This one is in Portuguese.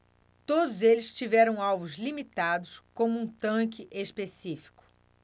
todos eles tiveram alvos limitados como um tanque específico